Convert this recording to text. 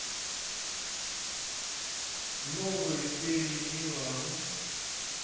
новые серии миланы